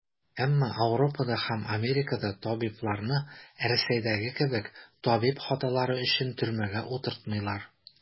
Әмма Ауропада һәм Америкада табибларны, Рәсәйдәге кебек, табиб хаталары өчен төрмәгә утыртмыйлар.